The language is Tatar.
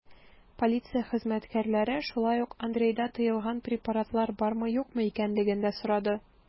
Полиция хезмәткәре шулай ук Андрейда тыелган препаратлар бармы-юкмы икәнлеген дә сорады.